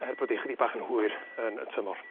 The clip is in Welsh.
er bod 'i chydig bach yn hwyr yn y tymor.